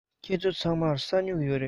ཁྱེད ཚོ ཚང མར ས སྨྱུག ཡོད རེད